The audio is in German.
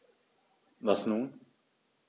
Was nun?